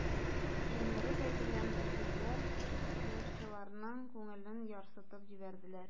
Тилмереп әйтелгән бу сүзләр сугышчыларның күңелен ярсытып җибәрделәр.